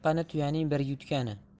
yiqqani tuyaning bir yutgani